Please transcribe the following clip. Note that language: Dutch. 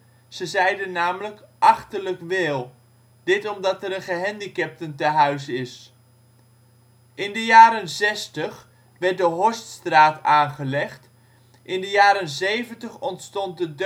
ze zeiden namelijk Achterlijk Wehl (dit omdat er een gehandicaptentehuis is). In de jaren zestig werd de Horststraat aangelegd. In de jaren zeventig ontstond de